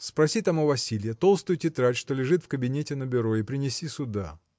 спроси там у Василья толстую тетрадь что лежит в кабинете на бюро и принеси сюда.